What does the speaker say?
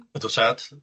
Ydw tad.